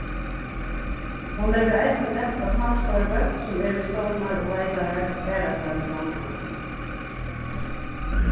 hon leggur eisini dent á samstarvið sum er við stovnar og veitarar aðrastaðni í landinum